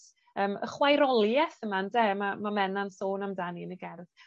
yym y chwaeroliaeth yma ynde? Ma' ma' Menna'n sôn amdani yn y gerdd.